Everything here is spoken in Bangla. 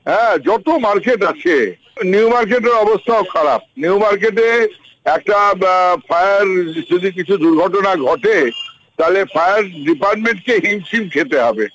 হ্যা যত মার্কেট আছে নিউ মার্কেটের অবস্থাও খারাপ নিউমার্কেটে একটা ফায়ার যদি কিছু দুর্ঘটনা ঘটে তাহলে ফায়ারস ডিপার্টমেন্টকে হিমশিম খেতে হবে